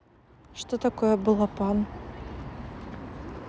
что такое балапан